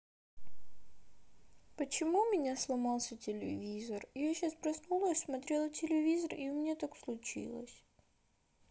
почему у меня сломался телевизор я сейчас проснулась смотрела телевизор и у меня так случилось